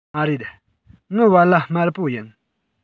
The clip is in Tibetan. མ རེད ངའི བལ ལྭ དམར པོ ཡིན